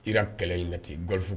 I kɛlɛ in na ten